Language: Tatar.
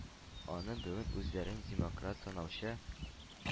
Аны бүген үзләрен демократ санаучы,